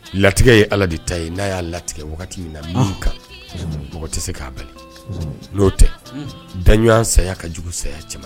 Latigɛ ye ala de ta ye n'a y'a latigɛ wagati na b kan mɔgɔ tɛ se k'a bali n'o tɛ daɲɔgɔn saya ka jugu saya cɛ